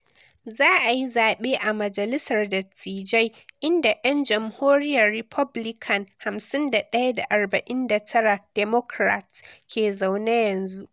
Za ayi zabe a majalisar dattijai, inda 'yan Jamhuriyar Republican 51 da 49 Democrats ke zaune yanzu.